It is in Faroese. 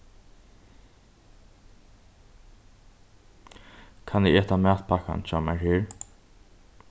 kann eg eta matpakkan hjá mær her